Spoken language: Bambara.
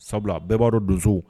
Sabula bɛɛ b'adɔ donso